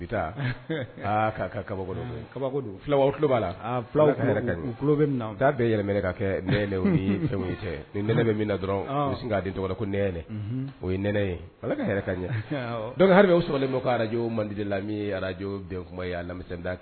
Ba la kɛ fɛnɛnɛ min dɔrɔn k'a tɔgɔ koɛnɛ o ye nɛnɛ ka ɲɛ o sɔrɔlen ma araj mandi lami araj yemi